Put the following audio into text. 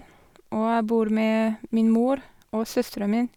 Og jeg bor med min mor og søsteren min.